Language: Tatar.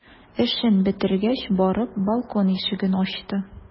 Эшен бетергәч, барып балкон ишеген ачты.